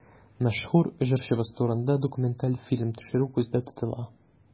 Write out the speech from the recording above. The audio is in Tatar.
Мәшһүр җырчыбыз турында документаль фильм төшерү күздә тотыла.